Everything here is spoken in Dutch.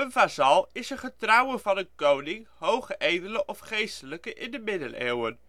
vazal is een getrouwe van een koning, hoge edele of geestelijke in de middeleeuwen